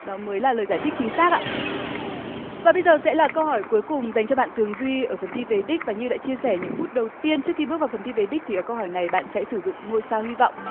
đó mới là lời giải thích chính xác ạ và bây giờ sẽ là câu hỏi cuối cùng dành cho bạn tường duy ở phần thi về đích đích như đã chia sẻ những phút đầu tiên trước khi bước vào phần thi về đích thì ở câu hỏi này bạn sẽ sử dụng ngôi sao hy vọng